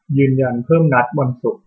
ยืนยันเพิ่มนัดวันศุกร์